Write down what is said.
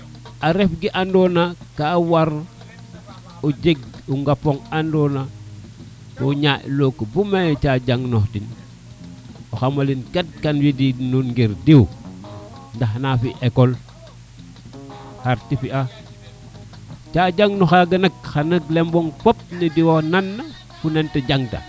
a ref ke ando na ka war o jeg po ngapo andona ko ñaaƴ look bo me cajang nox o xama lin kat ka waidin ngir diw ndax na fi ecole xar te fiya cajang no xaga kata xana lomong fop ne diwa nan na fo nene te jang ta